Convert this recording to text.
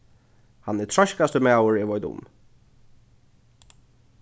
hann er treiskasti maður eg veit um